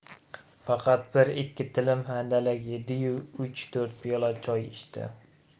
faqat bir ikki tilim handalak yediyu uch to'rt piyola choy ichdi